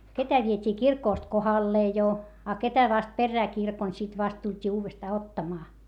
ketä vietiin kirkosta kohdalleen jo a ketä vasta perään kirkon sitten vasta tultiin uudestaan ottamaan